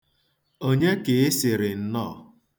Onye ka ị sịrị nnọọ?